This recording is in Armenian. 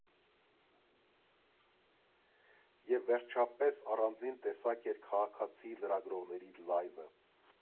Եվ վերջապես, առանձին տեսակ էր քաղաքացի֊լրագրողների լայվը։